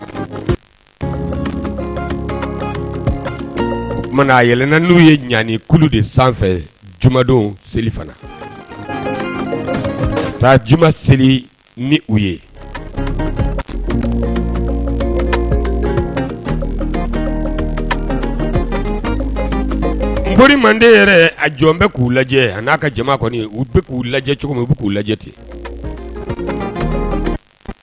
Aɛlɛnna n'u ye ɲani kulu de sanfɛ jumadenw seli fana taa juma seli ni u ye n ko ni manden yɛrɛ a jɔn bɛ k'u lajɛ a n'a ka jama kɔni u k'u lajɛ cogo min u k'u lajɛ ten